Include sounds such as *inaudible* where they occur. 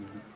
*hesitation* *hesitation*